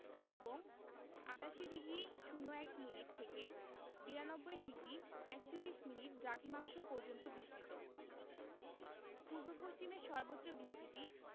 এবং ৮৮ degree ০১ minute থেকে ৯২ degree ৪১মিনিট দ্রাঘিমাংশ পর্যন্ত বিস্তৃত পূর্ব পশ্চিমে সর্বোচ্চ বিস্তৃতি